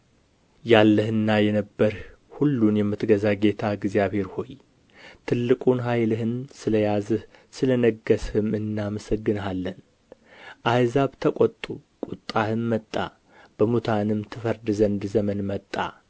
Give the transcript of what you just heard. ያለህና የነበርህ ሁሉን የምትገዛ ጌታ እግዚአብሔር ሆይ ትልቁን ኃይልህን ስለ ያዝህ ስለ ነገሥህም እናመሰግንሃለን አሕዛብም ተቈጡ ቍጣህም መጣ በሙታንም ትፈርድ ዘንድ ዘመን መጣ